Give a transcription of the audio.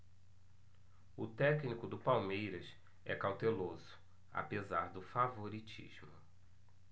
o técnico do palmeiras é cauteloso apesar do favoritismo